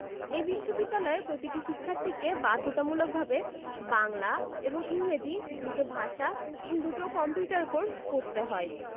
এই বিশ্ববিদ্যালয়ে প্রতিটি শিক্ষার্থীকে বাধ্যতামূলকভাবে বাংলা এবং ইংরেজি দুটো ভাষা এবং দুটো কম্পিউটার কোর্স পড়তে হয়